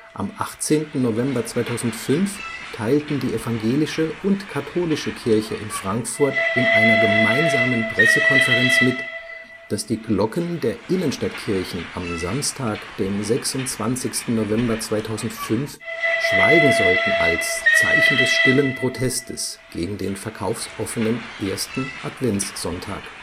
Am 18. November 2005 teilten die Evangelische und Katholische Kirche in Frankfurt in einer gemeinsamen Pressekonferenz mit, dass die Glocken der Innenstadtkirchen am Samstag, dem 26. November 2005 schweigen sollten als „ Zeichen des stillen Protestes “gegen den verkaufsoffenen ersten Adventssonntag